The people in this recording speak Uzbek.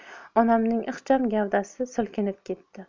onamning ixcham gavdasi silkinib ketdi